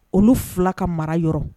Olu 2 ka mara yɔrɔ